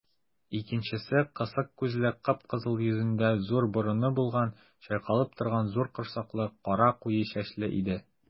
Икенчесе кысык күзле, кып-кызыл йөзендә зур борыны булган, чайкалып торган зур корсаклы, кара куе чәчле иде.